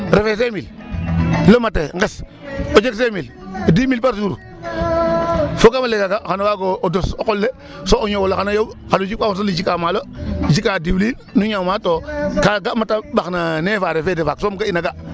Fefee cinq mille le matin nqes o jeg cinq mille dix mille par jours foogaam ee kaaga xan o waag o o dos o qol le so o ñoow ole xan a yooɓ xan o jikwaa fo siis ole, jikaa maalo ,jikaa diwliin nu ñaamaa to kaaga ma ta ɓax nefere feede faak soom um ge'in a ga .